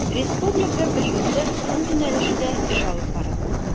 Республика приюты бу юнәлештә эш алып бара.